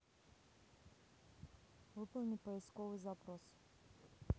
выполни поисковый запрос